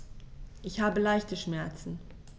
Ich habe leichte Schmerzen.